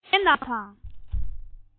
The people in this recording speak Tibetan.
རྫ མའི ནང ལྷུང བ དང